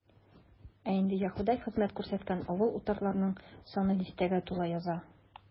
Ә инде Яһүдә хезмәт күрсәткән авыл-утарларның саны дистәгә тула яза.